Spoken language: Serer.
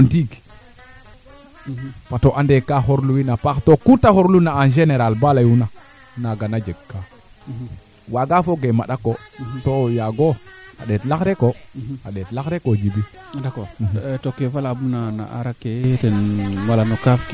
foogum a jega fasaaɓ fee de leya ndax sadam a jega fee de laya ordinaire aussi a jega kaade keya kacuupa andiim a mbasaaɓa maako paasamba xaaga xa tim xa maaka a ndima keene fop a jega kam fasaaɓ a jega kam fasaaɓ